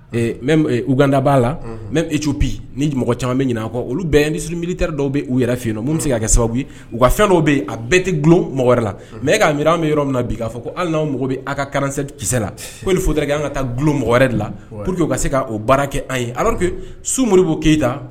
Uganda'a la mɛ'u bi ni mɔgɔ caman bɛ ɲini a kɔ olu bɛn ni suru miiri ta dɔw bɛ uu yɛrɛ fɛ yen min bɛ se ka kɛ sababu u ka fɛn dɔw bɛ yen a bɛɛ tɛ glo mɔgɔ wɛrɛ la mɛ e y'a mi an bɛ yɔrɔ min na bi k'a fɔ ko hali n' mɔgɔ bɛ' a ka karansɛ kisɛ la ko ni fu' an ka taa dulo mɔgɔ wɛrɛ de la puro ka se k' o baara kɛ an yeke sumo b'o keyita